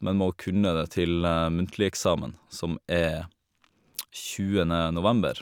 Men må kunne det til muntligeksamen, som er tjuende november.